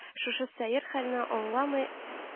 Шушы сәер хәлне аңламый